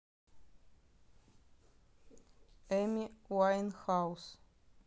эми уайнхаус